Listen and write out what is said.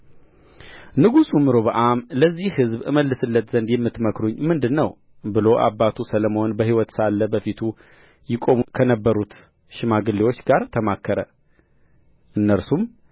ንጉሡም ሮብዓም ለዚህ ሕዝብ እመልስለት ዘንድ የምትመክሩኝ ምንድር ነው ብሎ አባቱ ሰሎሞን በሕይወት ሳለ በፊቱ ይቆሙ ከነበሩት ሽማግሌዎች ጋር ተማከረ እነርሱም